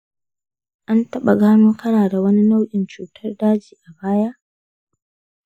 an taɓa gano kana da wani nau’in cutar daji a baya?